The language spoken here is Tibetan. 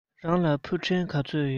རང ལ ཕུ འདྲེན ག ཚོད ཡོད